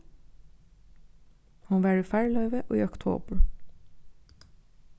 hon var í farloyvi í oktobur